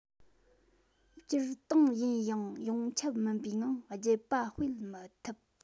སྤྱིར བཏང ཡིན ཡང ཡོངས ཁྱབ མིན པའི ངང རྒྱུད པ སྤེལ མི ཐུབ